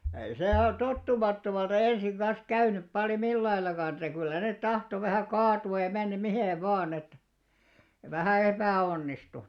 ei se - tottumattomalta ensin kanssa käynyt paljon mitenkään että kyllä ne tahtoi vähän kaatua ja mennä miten vain että vähän epäonnistui